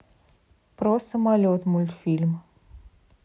про самолет мультфильм